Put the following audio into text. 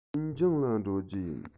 ཤིན ཅང ལ འགྲོ རྒྱུ ཡིན